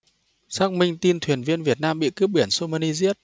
xác minh tin thuyền viên việt nam bị cướp biển somalia giết